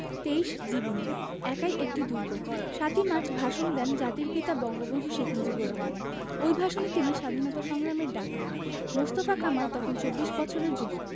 ২৩ জীবনী একাই একটি দুর্গ ৭ই মার্চ ভাষণ দেন জাতির পিতা বঙ্গবন্ধু শেখ মুজিবুর রহমান ওই ভাষণে তিনি স্বাধীনতা সংগ্রামের ডাক দেন মোস্তফা কামাল তখন চব্বিশ বছরের যুবক